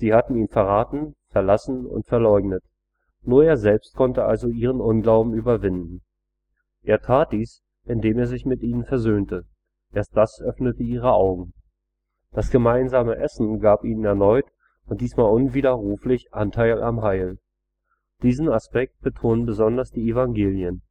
hatten ihn verraten, verlassen und verleugnet. Nur er selbst konnte also ihren Unglauben überwinden. Er tat dies, indem er sich mit ihnen versöhnte. Erst das öffnete ihre Augen. Das gemeinsame Essen gab ihnen erneut – und diesmal unwiderruflich – Anteil am Heil. Diesen Aspekt betonen besonders die Evangelien